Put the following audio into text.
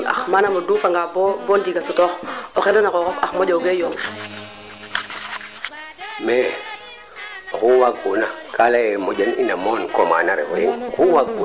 oxu xender na ax refe no ka bugoona oxu waag una o xenda axof keene soom refu probleme ne